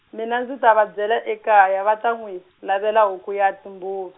mina ndzi ta va byela ekaya va ta n'wi, lavela huku ya timbuva.